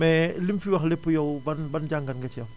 mais li mu fi wax lépp yow ban ban jàngat nga ci am